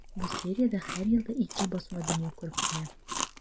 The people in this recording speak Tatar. Бу сериядә һәр елда ике басма дөнья күреп килә.